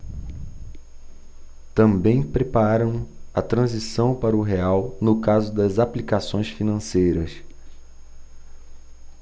também preparam a transição para o real no caso das aplicações financeiras